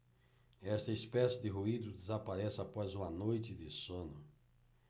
esta espécie de ruído desaparece após uma noite de sono